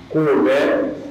Kunun bɛ